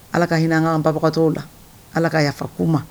Ala ka hinɛ an kaa an babagatɔw la Ala ka yafa k'u ma